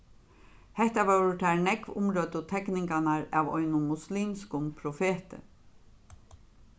hetta vóru tær nógv umrøddu tekningarnar av einum muslimskum profeti